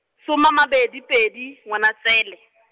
soma a mabedi pedi, Ngwanatseele.